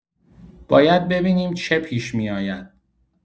باید ببینیم چه پیش می‌آید.